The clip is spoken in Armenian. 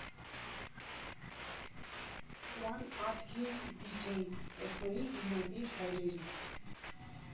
Խուան Աթքինզ, դիջեյ, տեխնոյի հիմնադիր հայրերից։